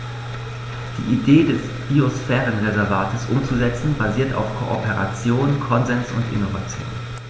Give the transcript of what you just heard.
Die Idee des Biosphärenreservates umzusetzen, basiert auf Kooperation, Konsens und Innovation.